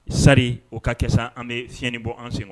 Sari o ka kɛ, an bɛ fiɲɛnin bɔ an sen kɔnɔ.